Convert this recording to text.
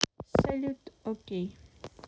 salute ок